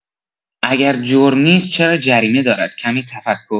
اگر جرم نیست چرا جریمه دارد کمی تفکر